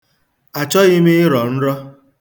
Achọghị m iro nro.